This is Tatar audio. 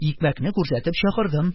Икмәкне күрсәтеп чакырдым.